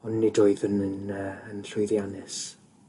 ond nid oeddwn yn yy yn llwyddiannus.